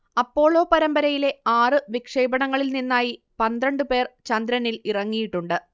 Apollo പരമ്പരയിലെ ആറ് വിക്ഷേപണങ്ങളിൽ നിന്നായി പന്ത്രണ്ട് പേർ ചന്ദ്രനിൽ ഇറങ്ങിയിട്ടുണ്ട്